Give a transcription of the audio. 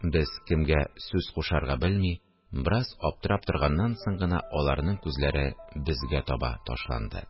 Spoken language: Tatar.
Без, кемгә сүз кушарга белми, бераз аптырап торганнан соң гына, аларның күзләре безгә таба ташланды